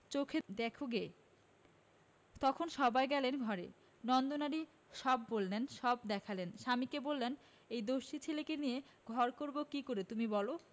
চোখে দেখোগে তখন সবাই গেলেন ঘরে নন্দরানী সব বললেন সব দেখালেন স্বামীকে বললেন এ দস্যি ছেলেকে নিয়ে ঘর করব কি করে তুমি বল